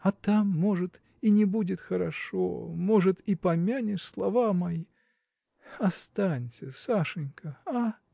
а там, может, и не будет хорошо, может, и помянешь слова мои. Останься, Сашенька, – а?